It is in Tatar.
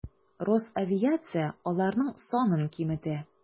Росавиация аларның санын киметә.